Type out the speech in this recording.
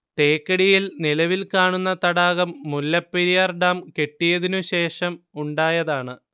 തേക്കടിയിൽ നിലവിൽ കാണുന്ന തടാകം മുല്ലപ്പെരിയാർ ഡാം കെട്ടിയതിന് ശേഷം ഉണ്ടായതാണ്